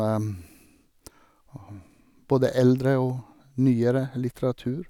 Både eldre og nyere litteratur.